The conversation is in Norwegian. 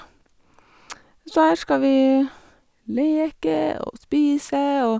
Så her skal vi leke og spise og...